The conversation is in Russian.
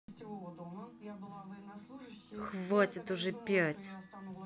хватит уже пять